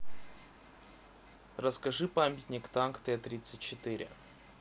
расскажи памятник танк т тридцать четыре